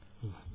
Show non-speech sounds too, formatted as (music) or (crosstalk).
(hesitation) (hesitation)